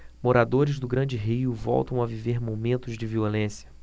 moradores do grande rio voltam a viver momentos de violência